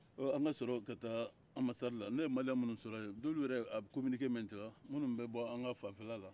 an kasɔrɔ ka taa anbasadi la ne ye maliyenw minnu sɔrɔ yen dɔw yɛrɛ y'a kibaruya mɛn ja minnu bɛ bɔ an ka fanfɛla la